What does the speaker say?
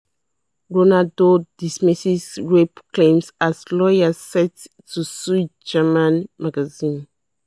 Ronaldo dismisses rape claims as lawyers set to sue German magazine